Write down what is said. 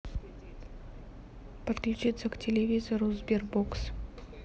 подключиться к телевизору sberbox